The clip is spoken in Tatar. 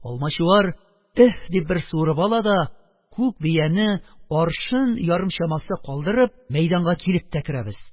Алмачуар "эһ" дип бер суырып ала да, күк бияне аршын ярым чамасы калдырып, мәйданга килеп тә керәбез..